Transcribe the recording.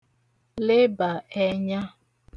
lebà ẹnya